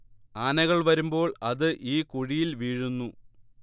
ആനകൾ വരുമ്പോൾ അത് ഈ കുഴിയിൽ വീഴുന്നു